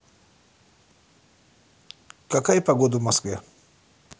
какая завтра погода в москве